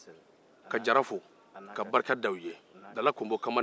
ka jara fo ka barika da u ye